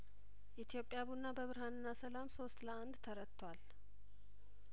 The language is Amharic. ኢትዮጵያ ቡና በብርሀንና ሰላም ሶስት ለአንድ ተረቷል